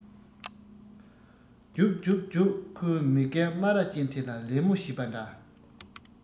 རྒྱུགས རྒྱུགས རྒྱུགས ཁོས མི རྒན སྨ ར ཅན དེ ལ ལད མོ བྱས པ འདྲ